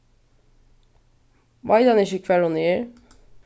veit hann ikki hvar hon er